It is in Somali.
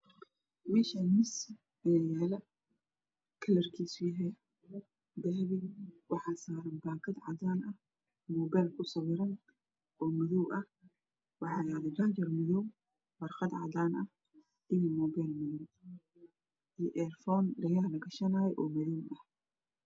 Meeshan miis ayaa yaalo kalarkiisu yahay dahabi waxa saaran baakad cadaan ah mobeel kusawiran oo madoow ah waxaa yalo jaajar madoow ah warqad cadaan ah iyo mobeel madoow iyo erafoon dhagaha lagashanayo oo madoow ah